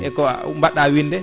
eko a u baɗɗa winde